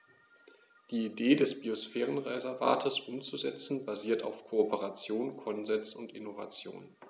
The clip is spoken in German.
Die Idee des Biosphärenreservates umzusetzen, basiert auf Kooperation, Konsens und Innovation.